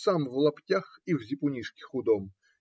сам в лаптях и в зипунишке худом